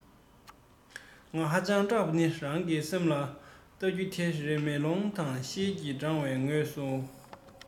ང ཧ ཅང སྐྲག པ ནི རང གི སེམས ལ བལྟ རྒྱུ དེ རེད མེ ལོང དང ཤེལ གྱི དྲ མའི ངོས སུ